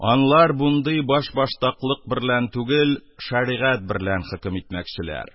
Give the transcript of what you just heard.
Анлар бундый башбаштаклык берлән түгел, шәригать берлән хөкем итмәкчеләр: